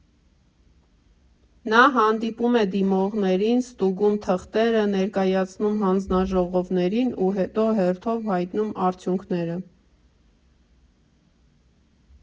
Նա հանդիպում է դիմողներին, ստուգում թղթերը, ներկայացնում հանձնաժողովներին ու հետո հերթով հայտնում արդյունքները։